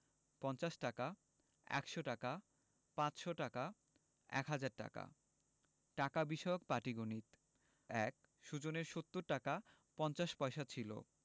৫০ টাকা ১০০ টাকা ৫০০ টাকা ১০০০ টাকা টাকা বিষয়ক পাটিগনিতঃ ১ সুজনের ৭০ টাকা ৫০ পয়সা ছিল